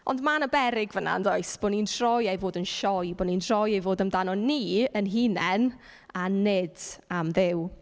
Ond ma' 'na beryg fan'na, yn does. Bo' ni'n troi e i fod yn sioe. Bo' ni'n troi e i fod amdano ni ein hunain a nid am Dduw.